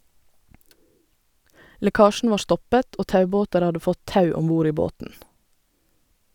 Lekkasjen var stoppet og taubåter hadde fått tau om bord i båten.